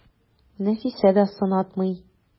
Нәфисә дә сынатмый.